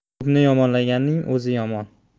ko'pni yomonlaganning o'zi yomon